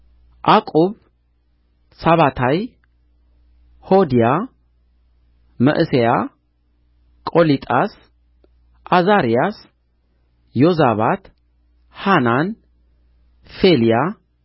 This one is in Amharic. ዓቁብ ሳባታይ ሆዲያ መዕሤያ ቆሊጣስ ዓዛርያስ ዮዛባት ሐናን ፌልያ